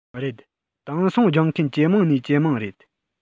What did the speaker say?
རེད དེང སང སྦྱོང མཁན ཇེ མང ནས ཇེ མང རེད